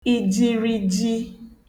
ijiriji